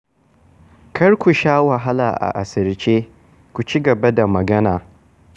Kar ku sha wahala a asirce - ku ci gaba da magana